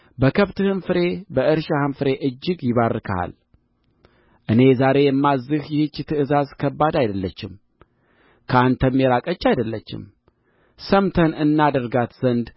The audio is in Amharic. በከብትህም ፍሬ በእርሻህም ፍሬ እጅግ ይባርክሃል እኔ ዛሬ የማዝዝህ ይህች ትእዛዝ ከባድ አይደለችም ከአንተም የራቀች አይደለችም ሰምተን እናደርጋት ዘንድ